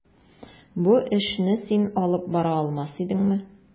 Бу эшне син алып бара алмас идеңме?